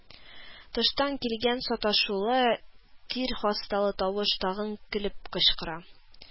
Тыштан килгән саташулы, тир хасталы тавыш тагын көлеп кычкыра: